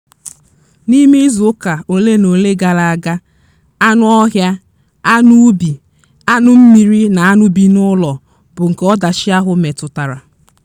N'ime izu ụka olenaole gaara aga, anụ ọhịa, anụ ubi, anụ mmiri na anụ ndị bi n'ụlọ bụ nke ọdachi ahụ metụtara.